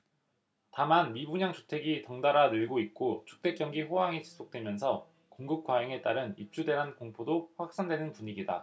다만 미분양 주택이 덩달아 늘고 있고 주택경기 호황이 지속되면서 공급과잉에 따른 입주대란 공포도 확산되는 분위기다